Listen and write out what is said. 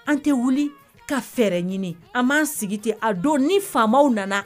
An tɛ wuli ka fɛɛrɛ ɲini an b'an sigi ten a don ni faama nana